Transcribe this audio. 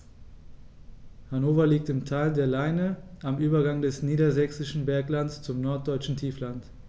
Hannover liegt im Tal der Leine am Übergang des Niedersächsischen Berglands zum Norddeutschen Tiefland.